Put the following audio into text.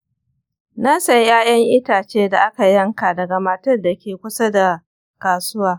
na sayi ‘ya’yan itace da aka yanka daga matar da ke kusa da kasuwa.